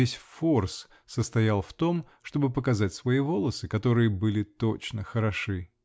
весь форс состоял в том, чтобы показать свои волосы, которые были точно хороши.